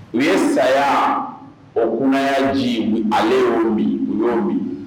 U ye saya o kunnayaji ale' bi u y'o min